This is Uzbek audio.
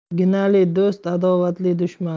ginah do'st adovatli dushman